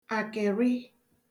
àkị̀rị